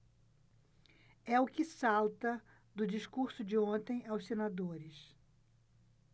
é o que salta do discurso de ontem aos senadores